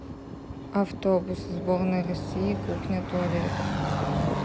автобус сборной россии кухня туалет